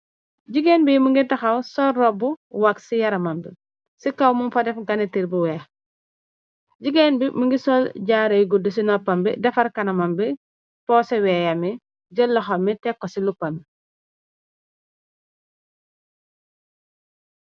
Jigeen bi mu ngi taxaw sol robb wakg ci yaramam bi, ci kaw mum fa def ganitir bu weex. Jigéen bi mu ngi sol jaarey gudd ci noppam bi, defar kanamam bi, pooseweeyami, jëlloxo mi tekko ci luppa mi.